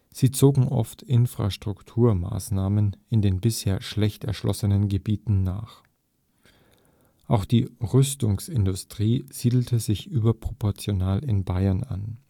Sie zogen oft Infrastrukturmaßnahmen in den bisher schlecht erschlossenen Gebieten nach. Auch die Rüstungsindustrie siedelte sich überproportional in Bayern an